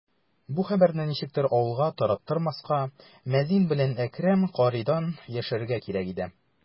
Бу хәбәрне ничектер авылга тараттырмаска, мәзин белән Әкрәм каридан яшерергә кирәк иде.